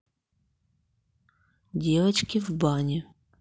девочки в бане